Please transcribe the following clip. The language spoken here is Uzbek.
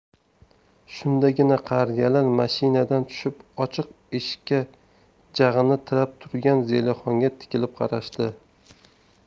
shundagina qariyalar mashinadan tushib ochiq eshikka jag'ini tirab turgan zelixonga tikilib qarashdi